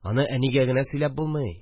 Аны әнигә генә сөйләп булмый